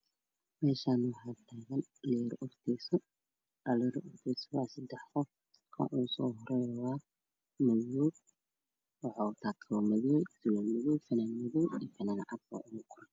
Meshan waaxaa tagan sedax qof kan usoo horeeya waa wuxuu wata funanad madoow kabo madow ah